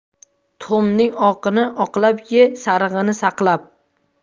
tuxumning oqini oqlab ye sarig'ini saqlab